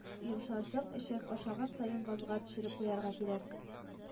Йомшарсың өчен, ашаган саен базга төшереп куярга кирәк